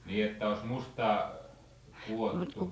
niin että olisi mustaa kudottu